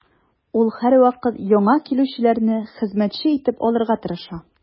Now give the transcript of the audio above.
Ул һәрвакыт яңа килүчеләрне хезмәтче итеп алырга тырыша.